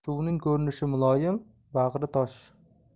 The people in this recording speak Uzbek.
suvning ko'rinishi muloyim bag'ri tosh